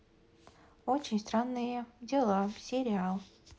очень странные дела сериал